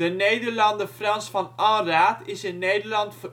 Nederlander Frans van Anraat is in Nederland